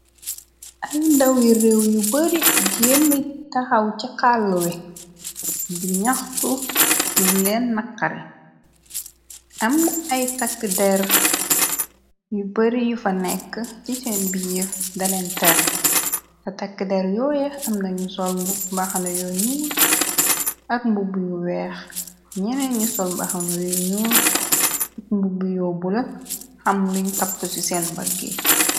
Ay ndawi réew yu bari genn taxaw chi xàlluwe di ñaxtu lu leen naxare am na ay takk der yu bari yu fa nekk ci seen biir daleen tere te takk der yooye amnañu sol baxana yoo ñyuul ak mbubb yu weex ñenee ñu sol baxana yu ñyuul ak mbubbu yoo bula ham luñ tapp ci seen bagge.